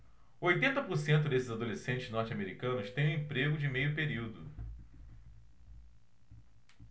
oitenta por cento desses adolescentes norte-americanos têm um emprego de meio período